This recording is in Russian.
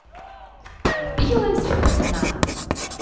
влюбилась в пацана